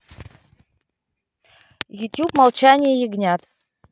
ютуб молчание ягнят